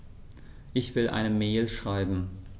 Ich will eine Mail schreiben.